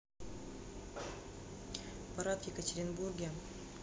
парад в екатеринбурге